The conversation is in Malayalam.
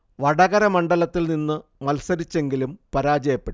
വടകര മണ്ഡലത്തിൽ നിന്നു മത്സരിച്ചെങ്കിലും പരാജയപ്പെട്ടു